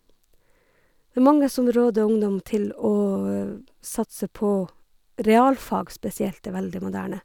Det er mange som råder ungdom til å satse på realfag, spesielt, er veldig moderne.